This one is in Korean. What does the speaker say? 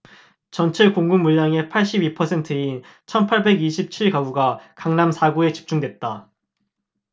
전체 공급 물량의 팔십 이 퍼센트인 천 팔백 이십 칠 가구가 강남 사 구에 집중됐다